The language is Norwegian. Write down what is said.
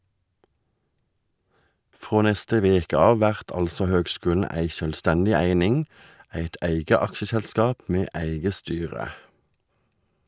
Frå neste veke av vert altså høgskulen ei sjølvstendig eining, eit eige aksjeselskap med eige styre.